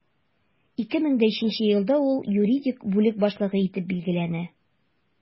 2003 елда ул юридик бүлек башлыгы итеп билгеләнә.